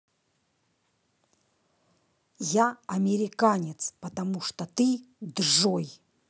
я американец потому что ты джой